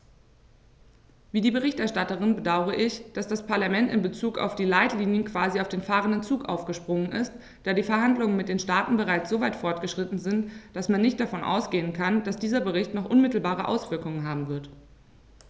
Wie die Berichterstatterin bedaure ich, dass das Parlament in bezug auf die Leitlinien quasi auf den fahrenden Zug aufgesprungen ist, da die Verhandlungen mit den Staaten bereits so weit fortgeschritten sind, dass man nicht davon ausgehen kann, dass dieser Bericht noch unmittelbare Auswirkungen haben wird.